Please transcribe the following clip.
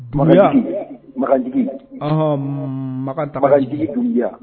Makan jigij ma tagajigi juguya